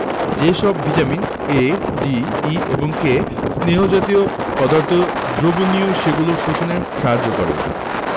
যে সব vitamin A D E এবং K স্নেহ জাতীয় পদার্থ দ্রবণীয় সেগুলো শোষণে সাহায্য করে